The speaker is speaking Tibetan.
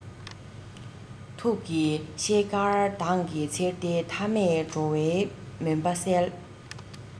ཐུགས ཀྱི ཤེལ དཀར མདངས ཀྱིས འཚེར ཏེ མཐའ མེད འགྲོ བའི མུན པ བསལ